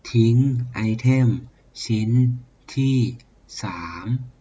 ทิ้งไอเทมชิ้นที่สาม